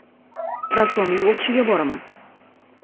rassomlik o'qishiga boraman